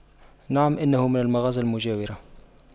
نعم انه من المغازل المجاورة